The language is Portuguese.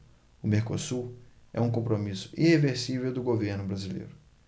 o mercosul é um compromisso irreversível do governo brasileiro